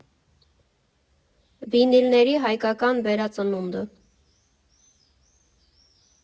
Վինիլների հայկական վերածնունդը.